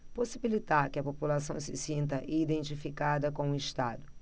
possibilitar que a população se sinta identificada com o estado